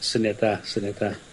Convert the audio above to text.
Syniad da. Syniad da.